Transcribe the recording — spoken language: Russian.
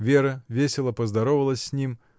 Вера весело поздоровалась с ним.